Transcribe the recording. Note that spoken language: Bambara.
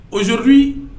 O sourududi